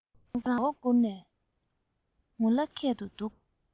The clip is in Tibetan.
ཁོ རང མགོ བོ སྒུར ནས ངུ ལ ཁད དུ འདུག